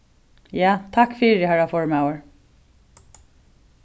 ja takk fyri harra formaður